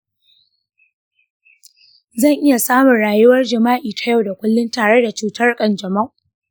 zan iya samun rayuwar jima'i ta yau da kullun tare da cutar kanjamau?